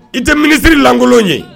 I tɛ minisiri lankolon ye